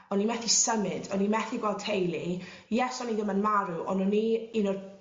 o'n i methu symud o'n i methu gweld teulu ie so o'n i ddim yn marw o'n' o'n i un o'r